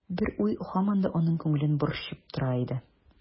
Бер уй һаман да аның күңелен борчып тора иде.